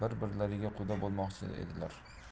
birbirlariga quda bo'lmoqchi edilar